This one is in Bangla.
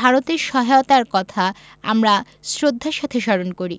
ভারতের সহায়তার কথা আমরা শ্রদ্ধার সাথে স্মরণ করি